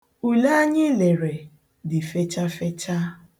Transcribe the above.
Ule anyị lere dị fechafecha.